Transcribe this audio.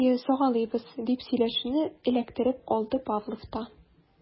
Әйе, сагалыйбыз, - дип сөйләшүне эләктереп алды Павлов та.